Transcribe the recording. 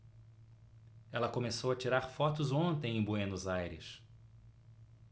ela começou a tirar fotos ontem em buenos aires